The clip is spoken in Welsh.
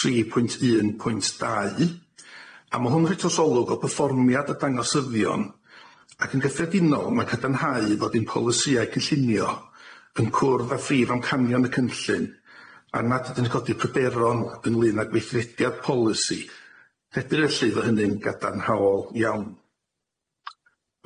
tri pwynt un pwynt dau a ma' hwn yn roi trosolwg o pefformiad y dangosyddion ac yn gyffredinol ma' cadarnhau bod ein polisiau cynllunio yn cwrdd â phrif amcanion y cynllun am nad ydyn ni'n codi pryderon ynglŷn â gweithrediad polisi felly fo hynny'n gadarnhaol iawn.